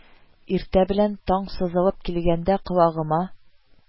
Иртә белән, таң сызылып килгәндә, колагыма: